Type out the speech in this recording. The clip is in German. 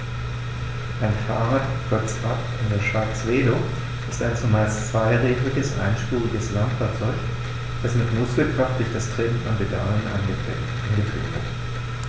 Ein Fahrrad, kurz Rad, in der Schweiz Velo, ist ein zumeist zweirädriges einspuriges Landfahrzeug, das mit Muskelkraft durch das Treten von Pedalen angetrieben wird.